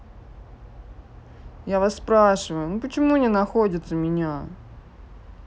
я вас спрашиваю почему не находится меня